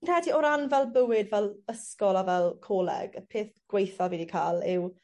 Fi'n credu o ran fel bywyd fel ysgol a fel coleg y peth gwaetha fi 'di ca'l yw